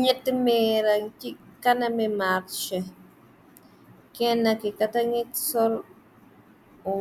Nett meeran ci kanami marshe. kenn ki katangi sol